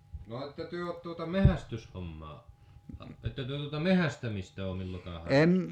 no ette te ole tuota metsästyshommaa ette te tuota metsästämistä ole milloinkaan harrastanut